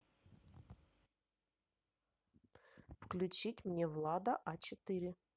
включить мне влада а четыре